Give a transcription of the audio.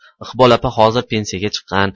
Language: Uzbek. iqbol opa hozir pensiyaga chiqqan